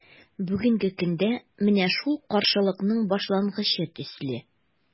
Бүгенге көндә – менә шул каршылыкның башлангычы төсле.